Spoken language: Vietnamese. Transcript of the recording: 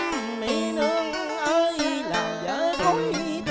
nương ơi làm vỡ